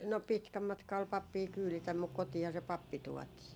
no pitkä matka oli pappia kyyditä mutta kotiinhan se pappi tuotiin